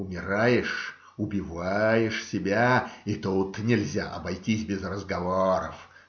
Умираешь, убиваешь себя - и тут нельзя обойтись без разговоров.